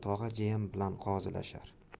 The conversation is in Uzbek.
tog'a jiyan bilan qozilashar